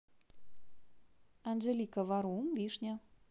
анжелика варум вишня